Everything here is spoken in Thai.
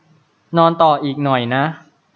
นอนต่ออีกหน่อยนะ